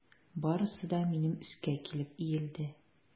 Барысы да минем өскә килеп иелде.